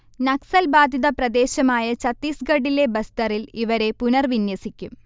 നക്സൽബാധിത പ്രദേശമായ ഛത്തീസ്ഗഢിലെ ബസ്തറിൽ ഇവരെ പുനർവിന്യസിക്കും